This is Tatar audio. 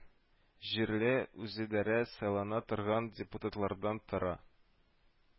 Җирле үзидарә сайлана торган депутатлардан тора